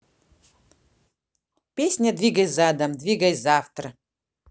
песня двигай задом двигай завтра